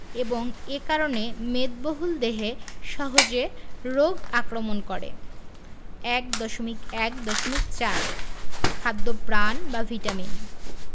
এবং এ কারণে মেদবহুল দেহে সহজে রোগ আক্রমণ করে ১.১.৪ খাদ্যপ্রাণ বা ভিটামিন